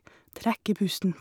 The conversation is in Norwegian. Trekker pusten.